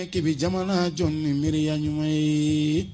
Ekibi jamana jɔn ni miiriya ɲuman ye